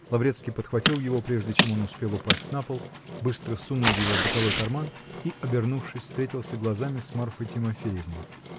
Лаврецкий подхватил его, прежде чем он успел упасть на пол, быстро сунул его в боковой карман и, обернувшись, встретился глазами с Марфой Тимофеевной.